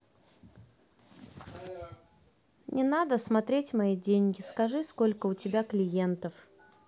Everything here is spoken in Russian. не надо смотреть мои деньги скажи сколько у тебя клиентов